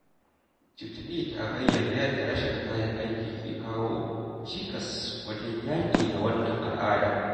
Chutni ta bayyana yadda rashin kayan aiki ke kawo cikas wajen yaƙi da wannan al'ada.